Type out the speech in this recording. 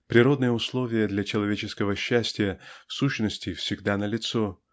Природные условия для человеческого счастья, в сущности, всегда налицо